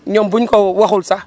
ñoom bu ñu ko waxul sax